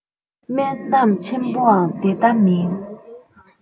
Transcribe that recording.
དམན རྣམས ཆེན པོའང དེ ལྟ མིན